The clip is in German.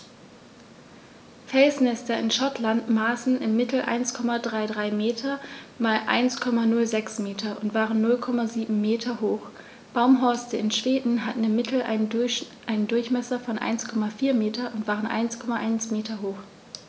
Felsnester in Schottland maßen im Mittel 1,33 m x 1,06 m und waren 0,79 m hoch, Baumhorste in Schweden hatten im Mittel einen Durchmesser von 1,4 m und waren 1,1 m hoch.